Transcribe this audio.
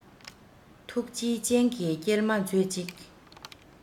ཐུགས རྗེའི སྤྱན གྱིས སྐྱེལ མ མཛོད ཅིག